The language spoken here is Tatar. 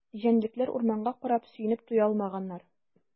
Җәнлекләр урманга карап сөенеп туя алмаганнар.